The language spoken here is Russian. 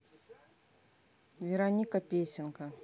вероника песенка